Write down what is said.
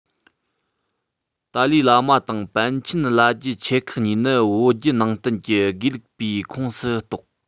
ཏཱ ལའི བླ མ དང པཎ ཆེན བླ རྒྱུད ཆེ ཁག གཉིས ནི བོད བརྒྱུད ནང བསྟན གྱི དགེ ལུགས པའི ཁོངས སུ གཏོགས